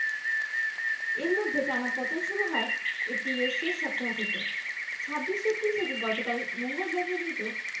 এর মধ্যে টানা পতন শুরু হয় এপ্রিলের শেষ সপ্তাহ থেকে ২৬ এপ্রিল থেকে গতকাল মঙ্গলবার পর্যন্ত